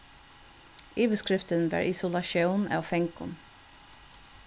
yvirskriftin var isolatión av fangum